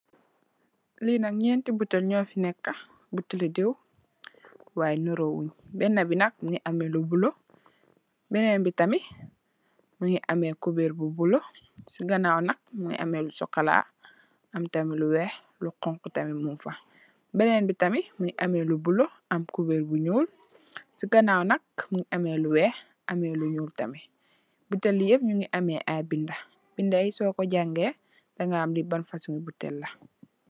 Lii nak ñeenti butel ñoo fi nekka, buteli diw, way nak nirowuñ, benen bi nak, ñu ngi am lu bulo, benen bi tamit, mu ngi amee kubeer bu bulo,...am tam lu weex, lu xoñxu tam mu g fa, bénen bi tam, mu ngi am lu... kubeer bu ñuul, si ganaaw nak, mu ngi am lu weex, amee lu ñuul tamit. Butel yi yeep ñu ngi am ay bindë, bindë yi soo ko jangee, dangaa xam lii ban fasoñ butel la